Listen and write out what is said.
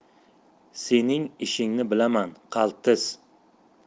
sening ishingni bilaman qaltis